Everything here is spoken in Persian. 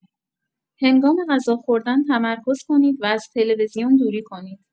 هنگام غذا خوردن تمرکز کنید و از تلویزیون دوری کنید.